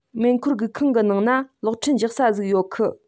མེ འཁོར སྒུག ཁང གི ནང ན གློག འཕྲིན རྒྱག ས ཟིག ར ཡོད གི